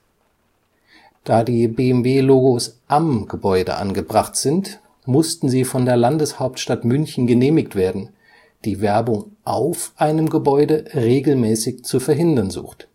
Da die BMW-Logos am Gebäude angebracht sind, mussten sie von der Landeshauptstadt München genehmigt werden, die Werbung auf einem Gebäude regelmäßig zu verhindern sucht